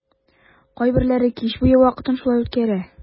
Кайберләре кич буе вакытын шулай үткәрә.